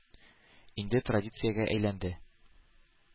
Инде традициягә әйләнде.